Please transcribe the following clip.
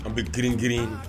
An bɛirin-irin